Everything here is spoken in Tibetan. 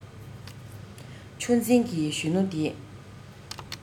ཆུ འཛིན གྱི གཞོན ནུ དེ